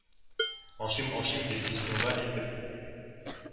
“ашыйм-ашыйм”, – дип, бисмилла әйтеп,